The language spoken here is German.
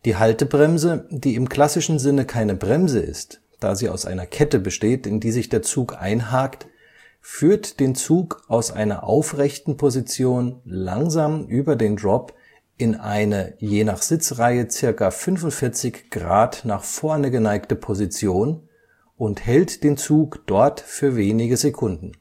Haltebremse, die im klassischen Sinne keine Bremse ist, da sie aus einer Kette besteht, in die sich der Zug einhakt, führt den Zug aus einer aufrechten Position langsam über den Drop in eine je nach Sitzreihe ca. 45° nach vorne geneigte Position und hält den Zug dort für wenige Sekunden